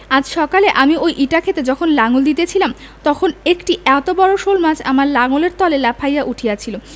আজ সকালে আমি ঐ ইটা ক্ষেতে যখন লাঙল দিতেছিলাম তখন একটি এত বড় শোলমাছ আমার লাঙলের তলে লাফাইয়া উঠিয়াছিল